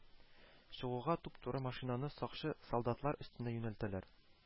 Чыгуга, туп-туры машинаны сакчы солдатлар өстенә юнәлтәләр